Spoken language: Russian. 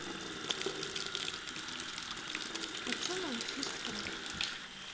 спорт хочу найти спорт